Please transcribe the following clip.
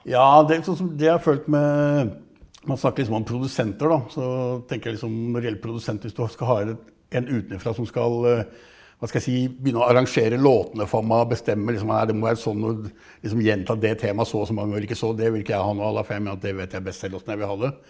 ja det sånn som det jeg har følt med man snakker liksom om produsenter da, så tenker jeg liksom når det gjelder produsent hvis du skal ha inn en utenifra som skal hva skal jeg si begynne å arrangere låtene for meg og bestemme liksom, nei det må være sånn og liksom gjenta det temaet så og så mange , det vil ikke jeg ha noe av da for jeg mener at jeg vet best selv hvordan jeg vil ha det.